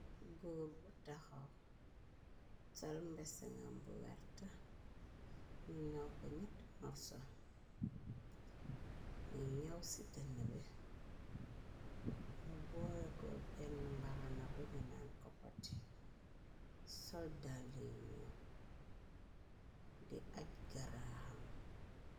Góor bu taxaw sol mbesangam bu werta ñu ñaw ko ñett marso ñu ñaw ci dënn be mu boole ko benn mbaxana bañonaan koppati soldaliñu di aj garaaham.